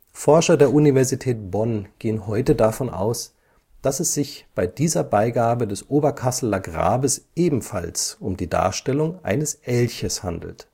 Forscher der Universität Bonn gehen heute davon aus, dass es sich bei dieser Beigabe des Oberkasseler Grabes ebenfalls um die Darstellung eines Elches handelt